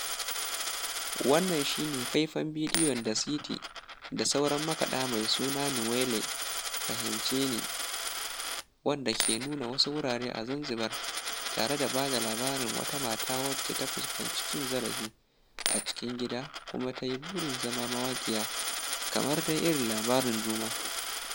Wannan shi ne faifan bidiyon Siti da sauran makaɗa mai suna "Niewele" ("Fahimce Ni") wanda ke nuna wasu wurare a Zanzibar tare da ba da labarin wata mata wacce ta fuskanci cin zarafi a cikin gida kuma ta yi burin zama mawaƙiya, kamar dai irin labarin Juma.